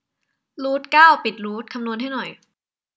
รูทเก้าปิดรูทคำนวณให้หน่อย